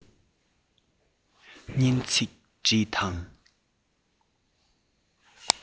སྙན ཚིག བྲིས དང